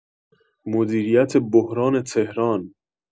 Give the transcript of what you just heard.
مدیریت بحران تهران